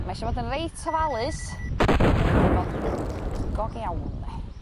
Ma' isio fod yn reit ofalus ma' n'w medru bod yn bigog iawn 'de.